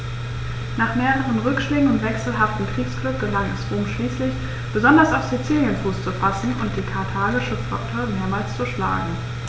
Nach mehreren Rückschlägen und wechselhaftem Kriegsglück gelang es Rom schließlich, besonders auf Sizilien Fuß zu fassen und die karthagische Flotte mehrmals zu schlagen.